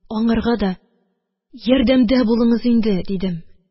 Аңарга да: – Ярдәмдә булыңыз инде! – дидем.